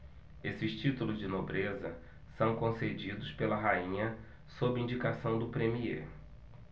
esses títulos de nobreza são concedidos pela rainha sob indicação do premiê